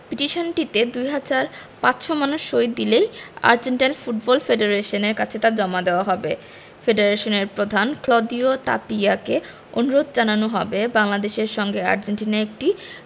পিটিশনটিতে ২ হাজার ৫০০ মানুষ সই দিলেই আর্জেন্টাইন ফুটবল ফেডারেশনের কাছে তা জমা দেওয়া হবে ফেডারেশনের প্রধান ক্লদিও তাপিয়াকে অনুরোধ জানানো হবে বাংলাদেশের সঙ্গে আর্জেন্টিনার একটি